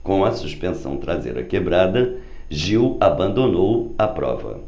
com a suspensão traseira quebrada gil abandonou a prova